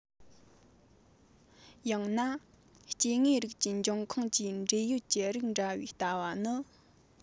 ཡང ན སྐྱེ དངོས རིགས ཀྱི འབྱུང ཁུངས ཀྱི འབྲེལ ཡོད ཀྱི རིགས འདྲ བའི ལྟ བ ནི